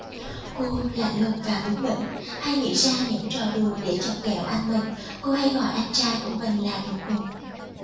cô lạnh lùng và bướng bỉnh hay nghĩ ra những trò đùa để chọc ghẹo anh mình cô hay gọi anh trai của mình là đồ khùng